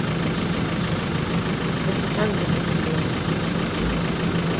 hesin sangurin er í dur